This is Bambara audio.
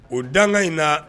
O danga in na